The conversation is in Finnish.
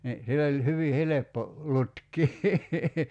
niin sillä oli hyvin helppo lutkia